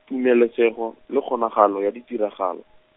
tumelesego, le kgonagalo ya ditiragalo.